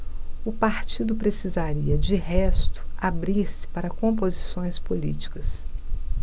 o partido precisaria de resto abrir-se para composições políticas